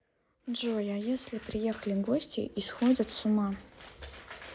джой а если приехали гости исходят с ума